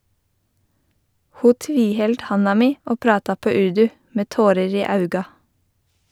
Ho tviheldt handa mi og prata på urdu, med tårer i auga.